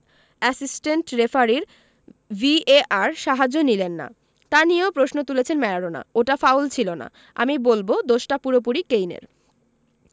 assistant রেফারির VAR সাহায্য নিলেন না তা নিয়েও প্রশ্ন তুলেছেন ম্যারাডোনা ওটা ফাউল ছিল না আমি বলব দোষটা পুরোপুরি কেইনের